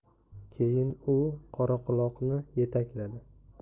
keyin u qoraquloqni yetakladi